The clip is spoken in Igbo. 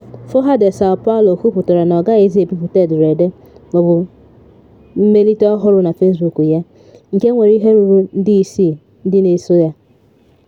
Folha de Sao Paulo kwuputara na ọ gaghịzi ebipụta ederede maọbụ mmelite ọhụrụ na Facebook ya, nke nwere ihe ruru nde isii ndị na-eso ya.